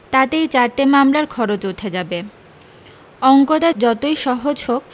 তাতেই চারটে মামলার খরচ উঠে যাবে অঙ্কটা যতি সহজ হোক